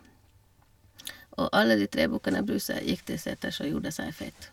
Og alle de tre bukkene Bruse gikk til seters og gjorde seg fet.